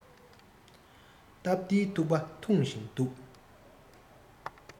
སྟབས བདེའི ཐུག པ འཐུང བཞིན འདུག